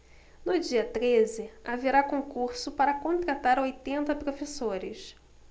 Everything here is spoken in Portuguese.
no dia treze haverá concurso para contratar oitenta professores